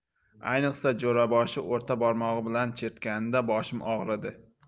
ayniqsa jo'raboshi o'rta barmog'i bilan chertganda boshim og'ridi